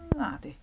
Nadi.